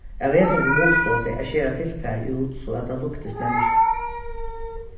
av hesum kom hugskotið at skera tilfarið út so at tað líktist menniskjum